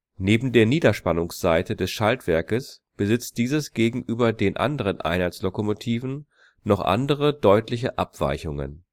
Neben der Niederspannungsseite des Schaltwerkes besitzt dieses gegenüber den anderen Einheitslokomotiven noch andere deutliche Abweichungen